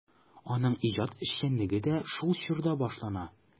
Аның иҗат эшчәнлеге дә шул чорда башлана.